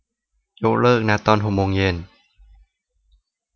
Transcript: ยกเลิกนัดตอนหกโมงเย็น